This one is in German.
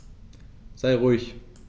Sei ruhig.